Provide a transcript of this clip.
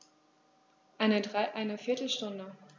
Eine viertel Stunde